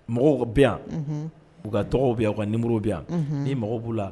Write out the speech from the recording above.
Mɔgɔw bɛ yan u ka tɔgɔw bɛyan ka nimuru bɛ yan ni mago b'u la